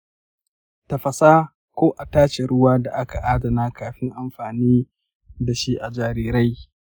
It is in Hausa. tafasa ko a tace ruwan da aka adana kafin amfani da shi ga jarirai.